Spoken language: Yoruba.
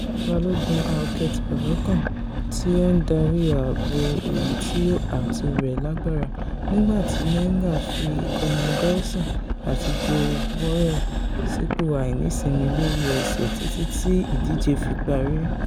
Balògun Halkett pọ̀lọ́kan, tí ó ndarí ààbò èyití ààtò rẹ̀ lágbára, nígbàti Menga fi Connor Golson àti Joe Worall sípò àìnísinmi lórí ẹsẹ̀ títí tí ìdíje fi parí.